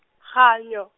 ganyo.